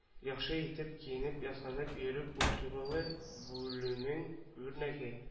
Яхшы итеп киенеп-ясанып йөрү культуралы булүнең үрнәге